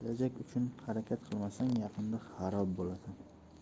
kelajak uchun harakat qilmasang yaqinda xarob bo'lasan